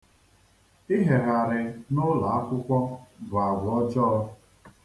Ịhegharị n'ụlọakwụkwọ bụ agwa ọjọọ.